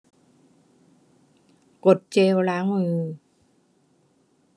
กดเจลล้างมือ